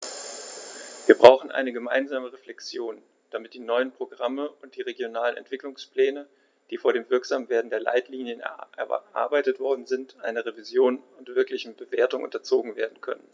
Wir brauchen eine gemeinsame Reflexion, damit die neuen Programme und die regionalen Entwicklungspläne, die vor dem Wirksamwerden der Leitlinien erarbeitet worden sind, einer Revision und wirklichen Bewertung unterzogen werden können.